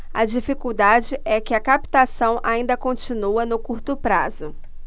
a dificuldade é que a captação ainda continua no curto prazo